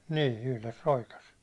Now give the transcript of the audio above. niin yhdessä roikassa